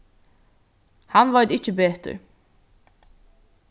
hann veit ikki betur